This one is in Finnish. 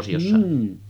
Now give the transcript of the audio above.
mm